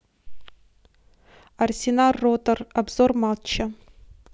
арсенал ротор обзор матча